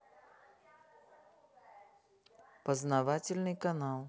познавательный канал